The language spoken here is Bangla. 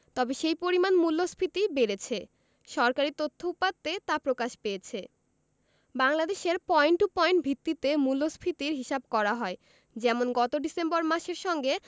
তবে সেই পরিমাণ মূল্যস্ফীতি বেড়েছে সরকারি তথ্য উপাত্তে তা প্রকাশ পেয়েছে বাংলাদেশে পয়েন্ট টু পয়েন্ট ভিত্তিতে মূল্যস্ফীতির হিসাব করা হয় যেমন গত ডিসেম্বর মাসের সঙ্গে